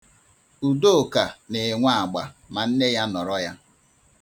Udoka na-enwe agba ma nne ya nọrọ ya.